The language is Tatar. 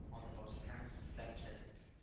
Аны барсына да күрсәтеп